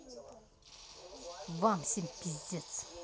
вам семь пиздец